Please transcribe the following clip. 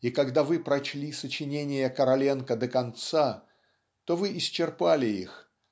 и когда вы прочли сочинения Короленко до конца то вы исчерпали их